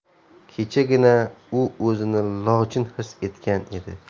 kechagina u o'zini lochin his etgan edi